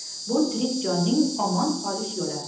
bu tirik jonning omon qolish yo'li